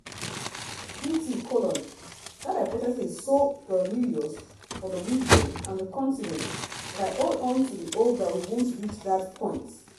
BT: That hypothesis is so perilous for the region and the continent that I hold on to the hope that we won't reach that point.